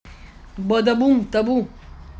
бадабум табу